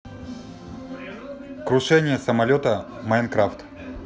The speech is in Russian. крушение самолета майнкрафт